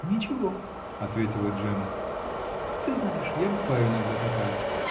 -- Ничего, -- ответила Джемма, -- ты знаешь, я бываю иногда такая.